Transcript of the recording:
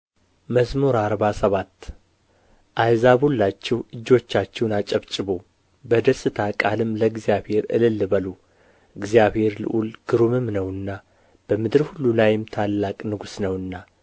መዝሙር አርባ ሰባት አሕዛብ ሁላችሁ እጆቻችሁን አጨብጭቡ በደስታ ቃልም ለእግዚአብሔር እልል በሉ እግዚአብሔር ልዑል ግሩምም ነውና በምድር ሁሉ ላይም ታላቅ ንጉሥ ነውና